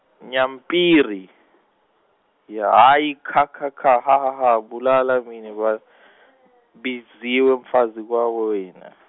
Nyampiri, Hayi kha, kha, kha, ha ha ha bulala mina , biziwe mfazi kwawena.